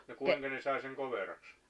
no kuinka ne sai sen koveraksi